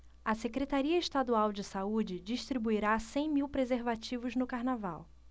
a secretaria estadual de saúde distribuirá cem mil preservativos no carnaval